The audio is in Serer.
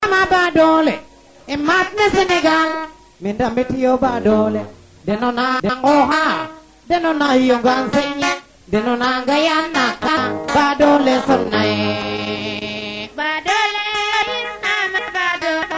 tena widan refee o kenar nuun parce que c' est pas la premier fois i mbaxtaan ta ka farna no ku xotoona no walu a koɓale wala boog environnement en general ke i mbika rek i cooxna ñuxrole te simin o fogole we ando naye dena nan giloox radio Diarekh no waxtu feeke Modou Mbisele o ñuxrole xay xeene kooro xe Dione